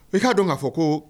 I'a dɔn k'a fɔ ko